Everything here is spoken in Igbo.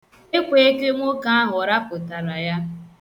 Ekweekwe nwoke ahụ rapụtara ya.